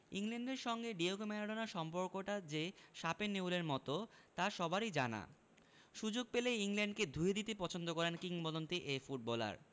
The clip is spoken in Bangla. ইংল্যান্ডের সঙ্গে ডিয়েগো ম্যারাডোনার সম্পর্কটা যে শাপে নেউলের মতো তা সবারই জানা সুযোগ পেলেই ইংল্যান্ডকে ধুয়ে দিতে পছন্দ করেন কিংবদন্তি এ ফুটবলার